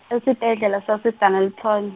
esibhedlela sase- Dennilton.